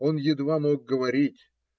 Он едва мог говорить.